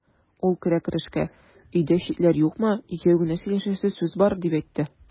Ул керә-керешкә: "Өйдә читләр юкмы, икәү генә сөйләшәсе сүз бар", дип әйтте.